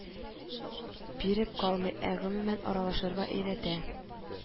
Биреп калмый, ә гомумән, аралашырга өйрәтә